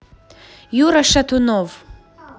юра шатунов